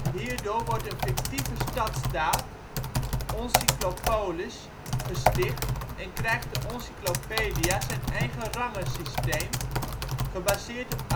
Hierdoor wordt een fictieve stadstaat, Oncyclopolis, gesticht en krijgt de Oncyclopedia zijn eigen rangensysteem (gebaseerd